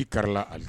I kari a